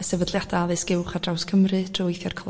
y sefydliada' addysg uwch ar draws Cymru trw weithio i'r